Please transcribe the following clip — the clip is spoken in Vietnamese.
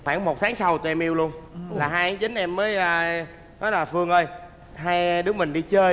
khoảng một tháng sau tình yêu luôn là hai tháng chín em mới nói là phương ơi hai đứa mình đi chơi